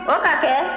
o ka kɛ